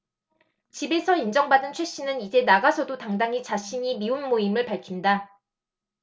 집에서 인정받은 최 씨는 이제 나가서도 당당히 자신이 미혼모임을 밝힌다